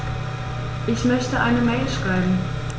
Ich möchte eine Mail schreiben.